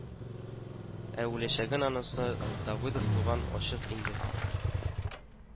Ә үләчәгең анысы, Давыдов туган, ачык инде